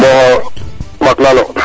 fo ɓak lalo